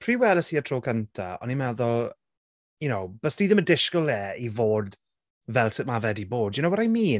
Pryd welais i e'r tro cyntaf o'n i'n meddwl... you know byse ti ddim yn disgwyl e i fod fel sut mae fe 'di bod. Do you know what I mean?